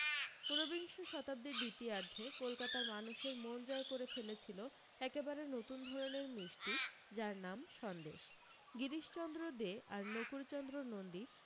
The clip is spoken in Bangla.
উনবিংশ শতাব্দীর দ্বিতীয়ার্ধে কলকাতার মানুষের মন জয় করে ফেলেছিল একেবারে নতুন ধরণের মিস্টি যার নাম সন্দেশ গিরিশ চন্দ্র দে আর নকুড় চন্দ্র নন্দী